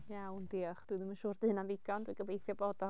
Iawn diolch. Dwi ddim yn siŵr 'di hynna'n ddigon. Dwi gobeithio bod o.